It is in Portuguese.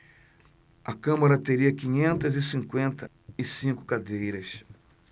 a câmara teria quinhentas e cinquenta e cinco cadeiras